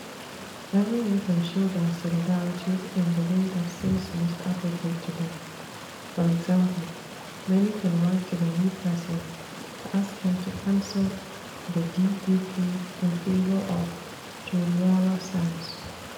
Everyone can show their solidarity in the way that seems most appropriate to them — for example, many can write to the new president to ask him to cancel the DUP in favor of Toliara Sands.